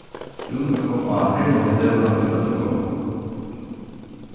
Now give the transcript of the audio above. rúni kom á hermannaleguna í øllum góðum